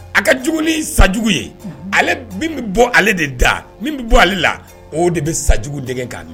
A ka jugu ni sa jugu ye min bɛ bɔ ale de da min bɛ bɔ ale la o de bɛ sa jugu dɛ k'a la